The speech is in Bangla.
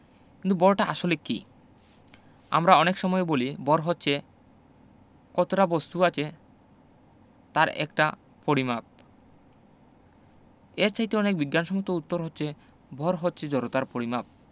কিন্তু ভরটা আসলে কী আমরা অনেক সময়েই বলি ভর হচ্ছে কতটা বস্তু আছে তার একটা পরিমাপ এর চাইতে অনেক বিজ্ঞানসম্মত উত্তর হচ্ছে ভর হচ্ছে জড়তার পরিমাপ